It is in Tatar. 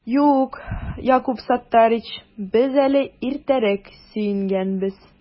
Юк, Якуб Саттарич, без әле иртәрәк сөенгәнбез